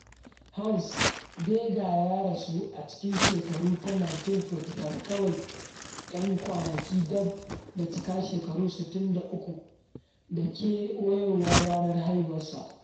"Hans" Geiger ya rasu a cikin shekara ta 1945, kawai ‘yan kwanaki dab da cika shekaru 63 da kewayowar ranar haihuwarsa.